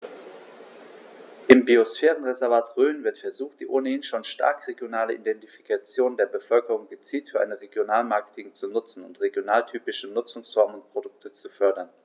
Im Biosphärenreservat Rhön wird versucht, die ohnehin schon starke regionale Identifikation der Bevölkerung gezielt für ein Regionalmarketing zu nutzen und regionaltypische Nutzungsformen und Produkte zu fördern.